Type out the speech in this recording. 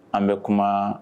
An bɛ kuma